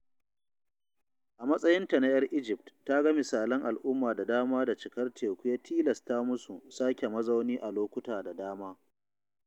A matsayinta na 'yar Egypt ta ga misalan al'umma da dama da cikar teku ya tilasa ta musu sake mazauni a lokuta da dama.